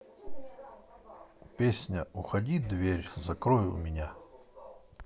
песня уходи дверь закрой у меня